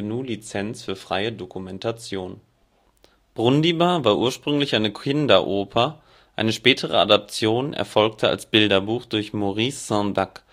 GNU Lizenz für freie Dokumentation. Brundibar war ursprünglich eine Kinderoper. Eine spätere Adaption erfolgte als Bilderbuch durch Maurice Sendak